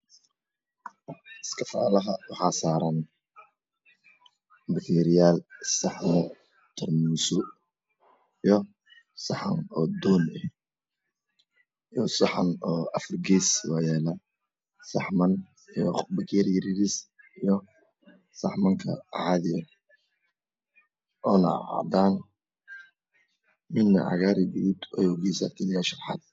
Iska faalaha waxaa saaran bakeeriyaal saxaman tarmuuso iyo saxan kale oo doon eh iyo saxan afar gees waa yaalaa iyo bekeri yar yariis Iyo saxaman kale cadi eh oona cadaan midna cagaar iyo gaduud